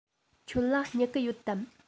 ཁྱོད ལ སྨྱུ གུ ཡོད དམ